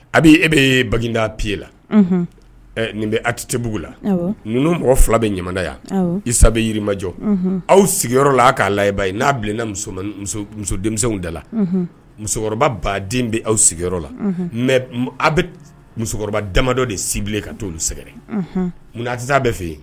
A bɛ e bɛ bada pee la nin bɛ a tebugu la ninnu mɔgɔ fila bɛ ɲama yan isa yirimajɔ aw sigiyɔrɔ la a'a laba ye n'a bilenna muso denmisɛnww da la musokɔrɔba baden bɛ aw sigiyɔrɔ la mɛ aw bɛ musokɔrɔba damadɔ de si bilen ka to sɛgɛrɛ munna a tɛ a bɛ fɛ yen